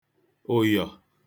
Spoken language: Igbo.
ụ̀yọ̀